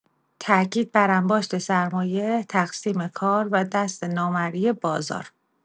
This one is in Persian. تأکید بر انباشت سرمایه، تقسیم کار و دست نامرئی بازار